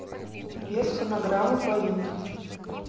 без фонограммы поют